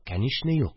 Кәнишне, юк